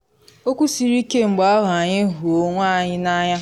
Okwu siri ike ‘mgbe ahụ anyị hụ onwe anyị n’anya’